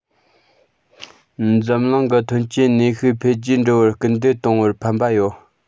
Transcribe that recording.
འཛམ གླིང གི ཐོན སྐྱེད ནུས ཤུགས འཕེལ རྒྱས འགྲོ བར སྐུལ འདེད གཏོང བར ཕན པ ཡོད